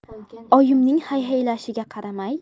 oyimning hayhaylashiga qaramay